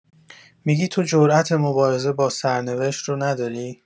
می‌گی تو جرات مبارزه با سرنوشت رو نداری؟